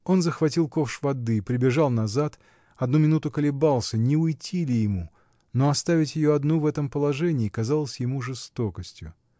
Он захватил ковш воды, прибежал назад: одну минуту колебался, не уйти ли ему, но оставить ее одну в этом положении — казалось ему жестокостью.